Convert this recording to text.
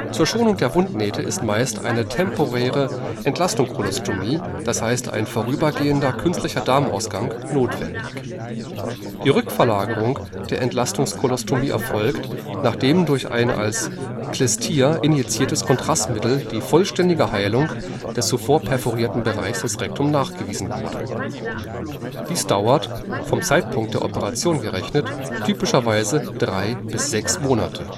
Zur Schonung der Wundnähte ist meist eine temporäre Entlastungskolostomie, das heißt ein vorübergehender künstlicher Darmausgang, notwendig. Die Rückverlagerung der Entlastungskolostomie erfolgt, nachdem durch ein als Klistier injiziertes Kontrastmittel die vollständige Heilung des zuvor perforierten Bereiches des Rektums nachgewiesen wurde. Dies dauert – vom Zeitpunkt der Operation gerechnet – typischerweise drei bis sechs Monate